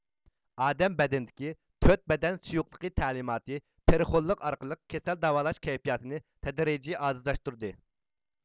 ئادەم بەدىنىدىكى تۆت بەدەن سۇيۇقلۇقى تەلىماتى پېرىخونلۇق ئارقىلىق كېسەل داۋالاش كەيپىياتىنى تەدرىجىي ئاجىزلاشتۇردى